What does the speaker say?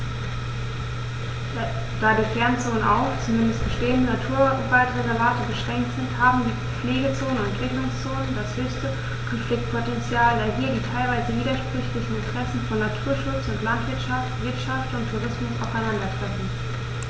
Da die Kernzonen auf – zumeist bestehende – Naturwaldreservate beschränkt sind, haben die Pflegezonen und Entwicklungszonen das höchste Konfliktpotential, da hier die teilweise widersprüchlichen Interessen von Naturschutz und Landwirtschaft, Wirtschaft und Tourismus aufeinandertreffen.